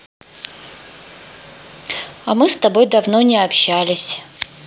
а мы с тобой давно не общались